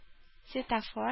Светофор